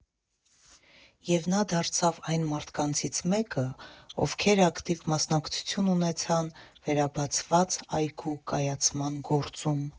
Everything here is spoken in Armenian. Եվ նա դարձավ այն մարդկանցից մեկը, ովքեր ակտիվ մասնակցություն ունեցան վերաբացված այգու կայացման գործում։